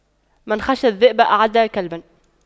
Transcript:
من خشى الذئب أعد كلبا